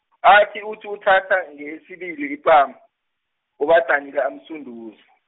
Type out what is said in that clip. athi uthi thatha ngeyesibili ipama, uBadanile amsunduze.